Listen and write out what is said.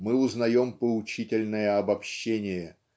мы узнаем поучительное обобщение